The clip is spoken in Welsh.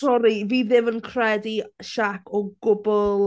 Sori, fi ddim yn credu Shaq o gwbl.